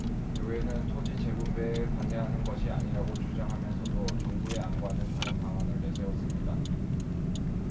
교회는 토지의 재분배에 반대하는 것은 아니라고 주장하면서도 정부 안과는 다른 방안을 내세웠습니다